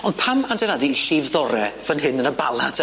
Ond pam adeladu llifddore fyn hyn yn y Bala te?